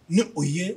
Ni o ye